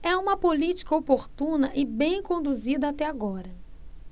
é uma política oportuna e bem conduzida até agora